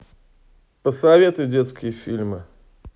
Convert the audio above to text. посоветуй детские фильмы